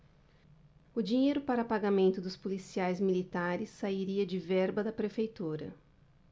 o dinheiro para pagamento dos policiais militares sairia de verba da prefeitura